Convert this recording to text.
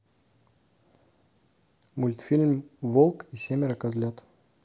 мультфильм волк и семеро козлят